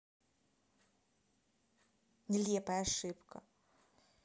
нелепая ошибка